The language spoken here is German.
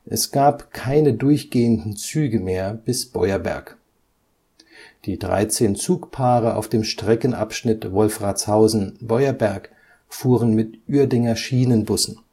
Es gab keine durchgehenden Züge mehr bis Beuerberg. Die 13 Zugpaare auf dem Streckenabschnitt Wolfratshausen – Beuerberg fuhren mit Uerdinger Schienenbussen